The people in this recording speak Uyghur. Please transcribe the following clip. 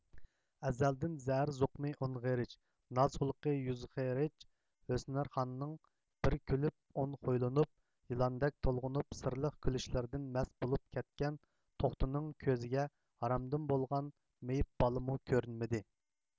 ئەزەلدىن زەھەر زوقۇمى ئون غېرىچ ناز خۇلقى يۈز غېرىچ ھۆسنارخاننىڭ بىر كۈلۈپ ئون خۇيلىنىپ يىلاندەك تولغىنىپ سىرلىق كۈلۈشلىرىدىن مەست بولۇپ كەتكەن توختىنىڭ كۆزىگە ھارامدىن بولغان مېيىپ بالىمۇ كۆرۈنمىدى